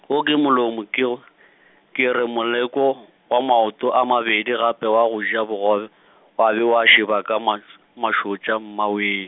wo ke molomo ke go , ke re moleko, wa maoto a mabedi gape wa go ja bogobe, wa be wa šeba ka maš-, mašotša mmawee.